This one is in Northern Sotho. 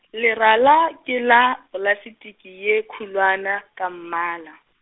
lerala ke la, plastiki ye khulwana ka mmala.